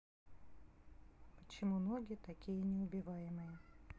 почему ноги такие неубиваемые